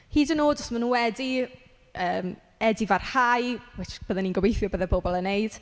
Hyd yn oed, os maen nhw wedi yym edifarhau. Which bydden ni'n gobeithio byddai pobl yn wneud.